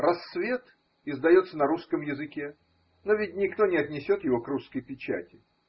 Рассвет издается на русском языке, но ведь никто не отнесет его к русской печати.